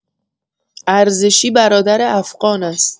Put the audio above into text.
عرزشی برادر افغان است.